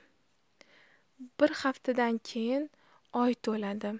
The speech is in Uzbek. bir haftadan keyin oy to'ladi